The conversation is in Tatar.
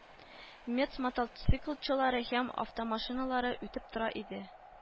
Мец мотоциклчылары һәм автомашиналары үтеп тора иде